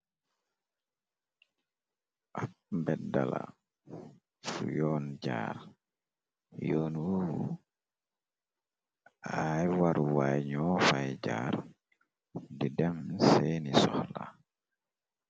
Ab mbeddala fu yoon jaar yoon wowu ay waruway nufay jaar di dem seeni soxla.